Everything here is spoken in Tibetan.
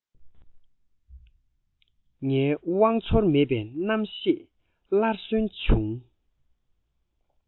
ངའི དབང ཚོར མེད པའི རྣམ ཤེས སླར གསོན བྱུང